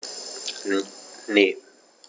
Ne.